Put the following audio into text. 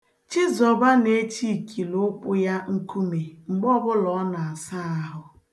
Chizọba na-echi ikilụkwụ ya nkume mgbe ọbụla ọ na-asa ahụ.